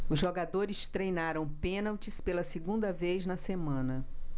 os jogadores treinaram pênaltis pela segunda vez na semana